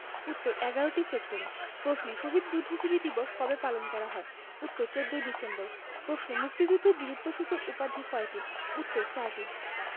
উত্তর ১১টি সেক্টরে প্রশ্ন শহীদ বুদ্ধিজীবী দিবস কবে পালন করা হয় উত্তর ১৪ ডিসেম্বর প্রশ্ন মুক্তিযুদ্ধে বীরত্বসূচক উপাধি কয়টি উত্তর চারটি